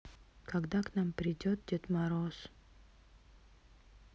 когда к нам придет дед мороз